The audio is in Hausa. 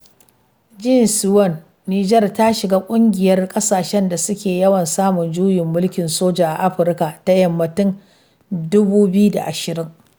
Jean Ssovon (JS): Nijar ta shiga ƙungiyar ƙasashen da suke yawan samun juyin mulkin soji a Afirka ta Yamma tun 2020.